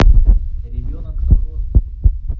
ребенок розмари